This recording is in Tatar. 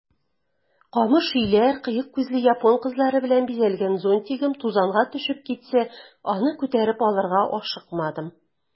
Камыш өйләр, кыек күзле япон кызлары белән бизәлгән зонтигым тузанга төшеп китсә, аны күтәреп алырга ашыкмадым.